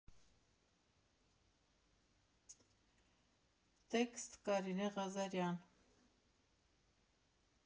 Տեքստ՝ Կարինե Ղազարյան։